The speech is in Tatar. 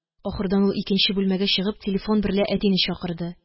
Ахырдан ул, икенче бүлмәгә чыгып, телефон берлә әтине чакырды